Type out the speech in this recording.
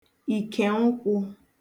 ìkènkwụ̄